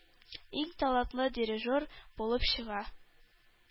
Иң талантлы “дирижер” булып чыга.